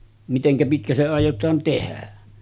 miten pitkä se aiotaan tehdä